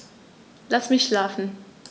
Lass mich schlafen